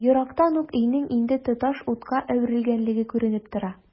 Ерактан ук өйнең инде тоташ утка әверелгәнлеге күренеп тора.